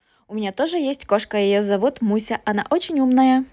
у меня тоже есть кошка ее зовут муся она очень умная